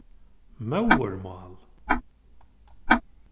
móðurmál